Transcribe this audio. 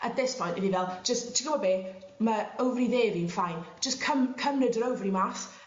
At this point o' fi fel jyst t'gwbo' be ma' ofari dde fi'n fine jyst cym- cymryd yr ofari mas